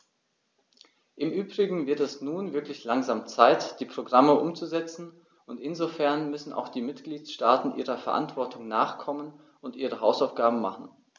Im übrigen wird es nun wirklich langsam Zeit, die Programme umzusetzen, und insofern müssen auch die Mitgliedstaaten ihrer Verantwortung nachkommen und ihre Hausaufgaben machen.